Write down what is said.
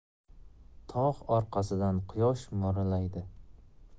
tog' orqasidan quyosh mo'ralaydi